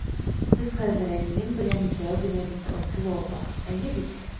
Без хәзер әнием белән икәү генә бит, Айсылу апа, әйе бит?